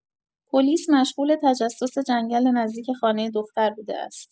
پلیس مشغول تجسس جنگل نزدیک خانه دختر بوده است.